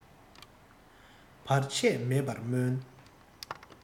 བར ཆད མེད པར སྨོན